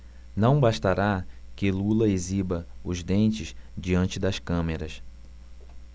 não bastará que lula exiba os dentes diante das câmeras